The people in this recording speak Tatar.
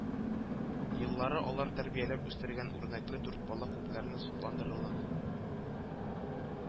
Еллары, алар тәрбияләп үстергән үрнәкле дүрт бала күпләрне сокландырырлык